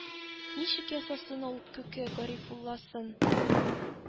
Ничек ясасын ул Күке Гарифулласын?!